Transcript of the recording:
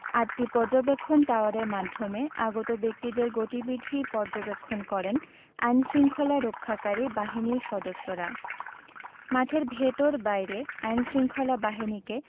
আটটি পর্যবেক্ষণ টাওয়ারের মাধ্যমে আগত ব্যক্তিদের গতিবিধি পর্যবেক্ষণ করেন আইনশৃঙ্খলা রক্ষাকারী বাহিনীর সদস্যরা মাঠের ভেতর বাইরে আইনশৃঙ্খলা বাহিনীকে